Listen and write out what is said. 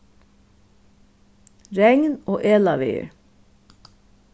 regn og ælaveður